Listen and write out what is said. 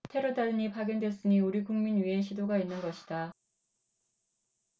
테러단이 파견됐으니 우리국민 위해 시도가 있는 것이다